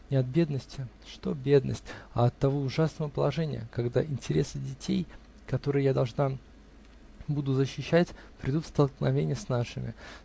не от бедности (что бедность?), а от того ужасного положения, когда интересы детей, которые я должна буду защищать, придут в столкновение с нашими.